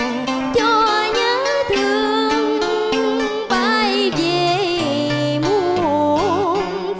cho nhớ thương bay về muôn